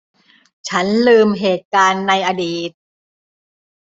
ฉันลืมเหตุการณ์ในอดีต